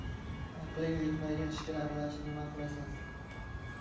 aqling yetmagan ishga aralashib nima qilasan